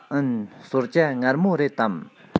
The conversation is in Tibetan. འུན གསོལ ཇ མངར མོ རེད དམ